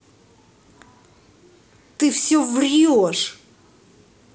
ты все врешь